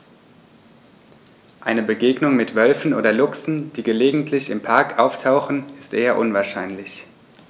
Eine Begegnung mit Wölfen oder Luchsen, die gelegentlich im Park auftauchen, ist eher unwahrscheinlich.